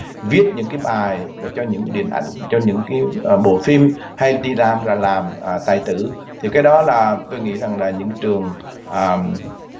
viết những cái bài cho những điện ảnh cho những cái bộ phim hay đi làm là làm ờ tài tử thì cái đó là tôi nghĩ rằng là những trường à